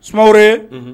Sumaworo ye; unhun.